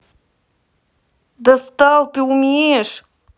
достал ты умеешь